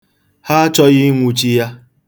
Ha achọghị ịnwụchi ya.